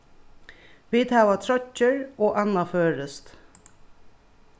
vit hava troyggjur og annað føroyskt